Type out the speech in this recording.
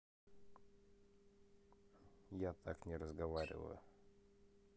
я так не разговариваю